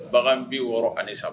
Bagan b bɛ wɔɔrɔ ani saba